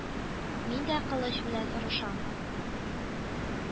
Мин дә кылыч белән орышам